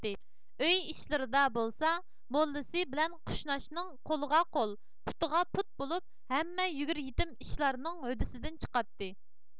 ئۆي ئىشلىرىدا بولسا موللىسى بىلەن قۇشناچنىڭ قولىغا قول پۇتىغا پۇت بولۇپ ھەممە يۈگۈر يېتىم ئىشلارنىڭ ھۆددىسىدىن چىقاتتى